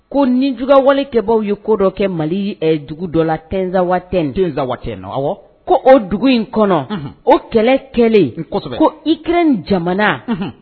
Ko nijuguyawale kɛ baaw ye, ko dɔ kɛ Mali dugu dɔ la Tinzawatène, Tinzawatène, awɔ, k'o dugu in kɔnɔ, unhun, ko kɛlɛ in kɛlen ko Ukraine jamana.